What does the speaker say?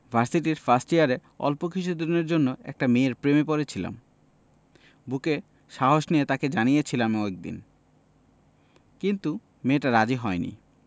ভার্সিটির ফার্স্ট ইয়ারে অল্প কিছুদিনের জন্য একটা মেয়ের প্রেমে পড়েছিলাম বুকে সাহস নিয়ে তাকে জানিয়েছিলামও একদিন কিন্তু মেয়েটা রাজি হয়নি